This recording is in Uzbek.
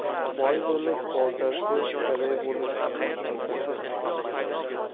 boy bo'lib boltasi yo'q gadoy bo'lib xaltasi